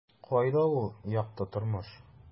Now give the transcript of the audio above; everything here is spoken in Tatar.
Кайда ул - якты тормыш? ..